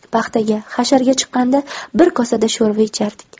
paxtaga hasharga chiqqanda bir kosada sho'rva ichardik